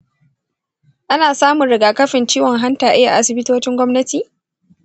ana samun rigakafin ciwon hanta a a asibitocin gwamnati?